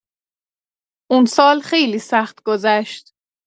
اون سال خیلی سخت گذشت.